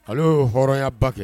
Ale y'o hɔrɔnyaba kɛ